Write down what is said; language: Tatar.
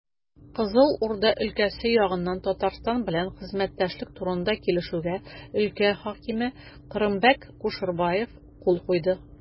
Кызыл Урда өлкәсе ягыннан Татарстан белән хезмәттәшлек турында килешүгә өлкә хакиме Кырымбәк Кушербаев кул куйды.